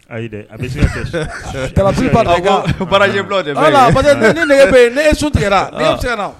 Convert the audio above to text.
Ayi ne tigɛ